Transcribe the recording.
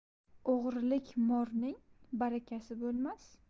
o'g'irlik morning barakasi bo'lmas